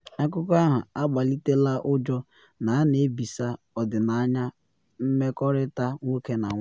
Akụkọ ahụ agbalitela ụjọ na a na ebisa ọdịnaya mmekọrịta nwoke na nwanyị